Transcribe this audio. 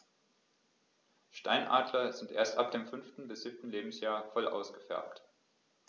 Steinadler sind erst ab dem 5. bis 7. Lebensjahr voll ausgefärbt.